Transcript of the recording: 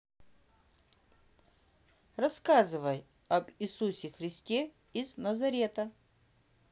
рассказывай об иисусе христе из назарета